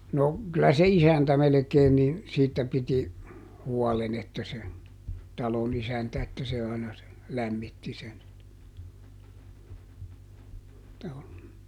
no kyllä se isäntä melkein niin siitä piti huolen että se talon isäntä että se aina se lämmitti sen joo